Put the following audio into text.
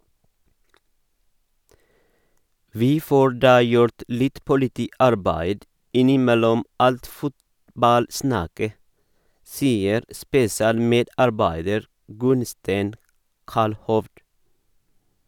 - Vi får da gjort litt politiarbeid innimellom alt fotballsnakket, sier spesialmedarbeider Gunnstein Kallhovd.